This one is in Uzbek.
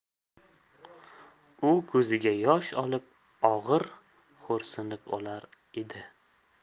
u ko'ziga yosh olib og'ir xo'rsinib olar edi